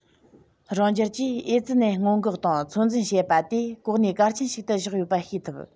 རང རྒྱལ གྱིས ཨེ ཙི ནད སྔོན འགོག དང ཚོད འཛིན བྱེད པ དེ གོ གནས གལ ཆེན ཞིག ཏུ བཞག ཡོད པ ཤེས ཐུབ